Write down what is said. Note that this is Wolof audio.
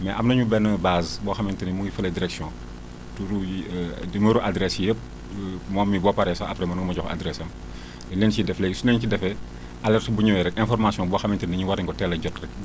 mais am nañu benn base boo xamante ni mu ngi fële direction turu numéro adresse yëpp moom mii boo paree sax après mën na ma jox adresse am dañu leen ciy def léegi suñu leen si defee alerte bu ñëwee rek information boo xamante ni war nañu ko teel a jot rek